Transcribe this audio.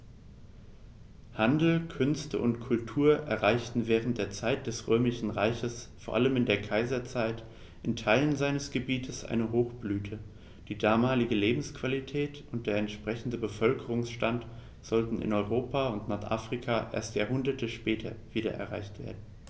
Handel, Künste und Kultur erreichten während der Zeit des Römischen Reiches, vor allem in der Kaiserzeit, in Teilen seines Gebietes eine Hochblüte, die damalige Lebensqualität und der entsprechende Bevölkerungsstand sollten in Europa und Nordafrika erst Jahrhunderte später wieder erreicht werden.